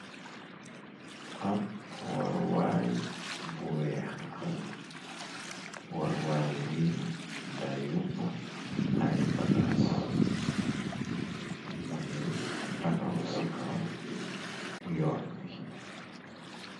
Ab waruwaay bu weex la waruwaay wi day yubbu ay bagaas mungi takaw ci kaw yoon wi.